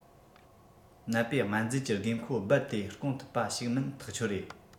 ནད པའི སྨན རྫས ཀྱི དགོས མཁོ རྦད དེ སྐོང ཐུབ པ ཞིག མིན ཐག ཆོད རེད